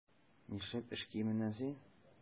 Нишләп эш киеменнән син?